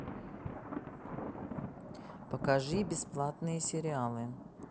покажи бесплатные сериалы